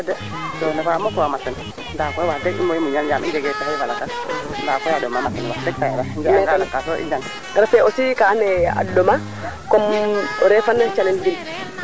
manam comme nu njega nge a tosuwar nu mbanda a yula siwo ke fop no pexey keyo daal so ndiiki au lieu nu ngota fo a ande mi moom andim na ɗing mayu au lieu nu ngota a paaam foof le njura xanu ngota siwo yondin ngafa yipa